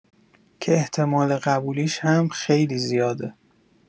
که احتمال قبولیش هم خیلی زیاده